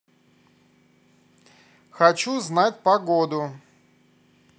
хочу знать погоду